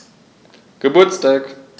Geburtstag